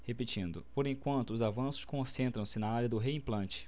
por enquanto os avanços concentram-se na área do reimplante